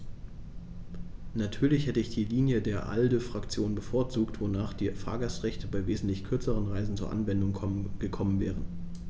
Natürlich hätte ich die Linie der ALDE-Fraktion bevorzugt, wonach die Fahrgastrechte bei wesentlich kürzeren Reisen zur Anwendung gekommen wären.